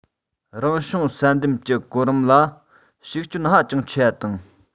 རང བྱུང བསལ འདེམས ཀྱི གོ རིམ ལ ཤུགས སྐྱོན ཧ ཅང ཆེ བ དང